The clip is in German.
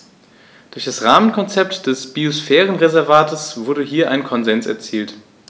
Durch das Rahmenkonzept des Biosphärenreservates wurde hier ein Konsens erzielt.